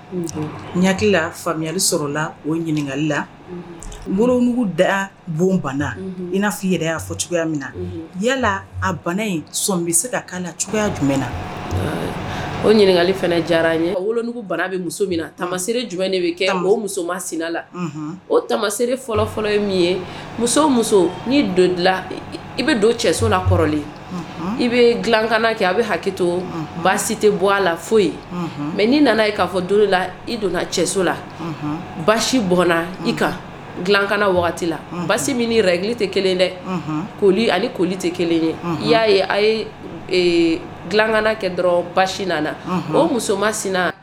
Ugu bon i i cogoya jumɛn o i bɛ dilakanana kɛ a bɛ basi tɛ bɔ a la fo mɛ n'i nana yen k'a fɔ la i donnaso la basina i ka dilakanana wagati la basi min i yɛrɛ tɛ kelen dɛ ko koli tɛ kelen i'a ye ye dilakan kɛ dɔrɔn basi nana